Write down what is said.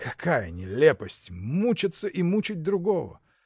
— Какая нелепость — мучаться и мучать другого!